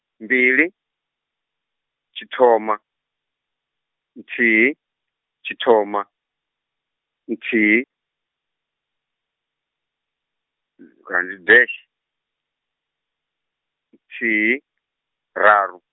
mbili, tshithoma, nthihi, tshithoma, nthihi, kana ndi dash, nthihi, raru.